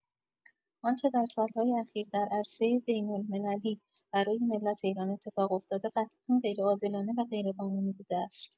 آنچه در سال‌های اخیر در عرصه بین‌المللی برای ملت ایران اتفاق افتاده قطعا غیرعادلانه و غیرقانونی بوده است.